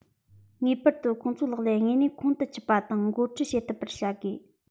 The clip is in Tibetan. ངེས པར དུ ཁོང ཚོའི ལག ལེན དངོས གནས ཁོང དུ ཆུད པ དང འགོ ཁྲིད བྱེད ཐུབ པར བྱ དགོས